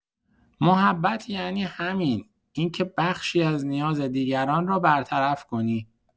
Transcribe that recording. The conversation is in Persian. محبت یعنی همین؛ این‌که بخشی از نیاز دیگران را برطرف کنی.